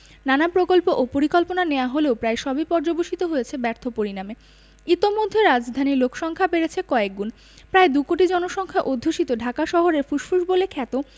নানা প্রকল্প ও পরিকল্পনা নেয়া হলেও প্রায় সবই পর্যবসিত হয়েছে ব্যর্থ পরিণামে ইতোমধ্যে রাজধানীর লোকসংখ্যা বেড়েছে কয়েকগুণ প্রায় দুকোটি জনসংখ্যা অধ্যুষিত ঢাকা শহরের ফুসফুস বলে খ্যাত